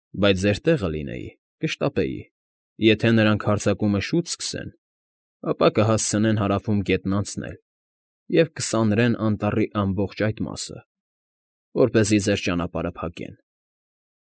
Բայց ձեր տեղը լինեի, կշտապեի. եթե նրանք հարձակումը շուտ սկսեն, ապա կհասցնեն հարավում գետն անցնել և կսանրեն անտառի ամբողջ այդ մասը, որպեսզի ձեր ճանապրհը փակեն։